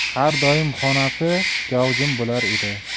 har doim xonasi gavjum bo'lar edi